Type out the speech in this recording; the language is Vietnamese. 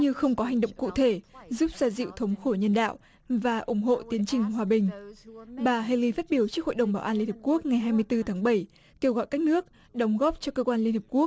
như không có hành động cụ thể giúp xoa dịu thống khổ nhân đạo và ủng hộ tiến trình hòa bình bà hê li phát biểu trước hội đồng bảo an liên hiệp quốc ngày hai mươi tư tháng bảy kêu gọi các nước đóng góp cho cơ quan liên hiệp quốc